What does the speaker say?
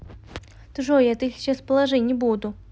джой а ты сейчас положи не буду